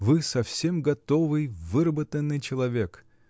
Вы совсем готовый, выработанный человек!